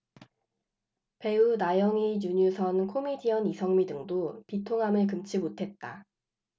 배우 나영희 윤유선 코미디언 이성미 등도 비통함을 금치 못했다